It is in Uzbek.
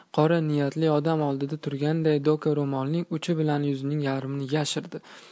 qora niyatli odam oldida turganday doka ro'molining uchi bilan yuzining yarmini yashirdi